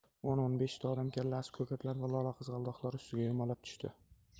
o'n o'n beshta odam kallasi ko'katlar va lolaqizg'aldoqlar ustiga yumalab tushdi